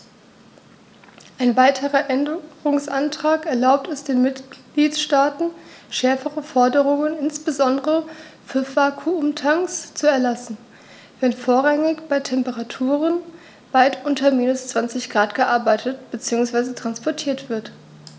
Ein weiterer Änderungsantrag erlaubt es den Mitgliedstaaten, schärfere Forderungen, insbesondere für Vakuumtanks, zu erlassen, wenn vorrangig bei Temperaturen weit unter minus 20º C gearbeitet bzw. transportiert wird.